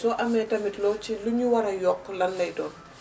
soo amee tamit loo ciy lu ñu war a yokk lan lay doon?